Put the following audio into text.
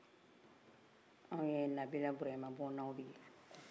an ye nabila iburahima bɔnan de ye